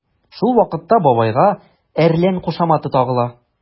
Шул вакытта бабайга “әрлән” кушаматы тагыла.